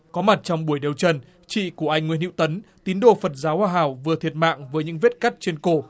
có mặt trong buổi điều trần chị của anh nguyễn hữu tấn tín đồ phật giáo hòa hảo vừa thiệt mạng với những vết cắt trên cổ